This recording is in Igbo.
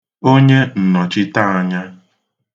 onyeǹnọ̀chiteānyā